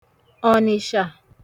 Ọ̀nị̀shà